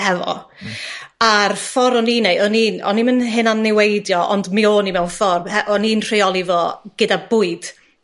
hefo... Hmm. ... a'r ffor o'n i'n neu' o'n i'n o'n i'm yn hunan niweidio ond mi o'n i mewn ffordd he- o'n i'n rheoli fo gyda bwyd.